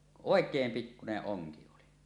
oikein pikkuinen onki oli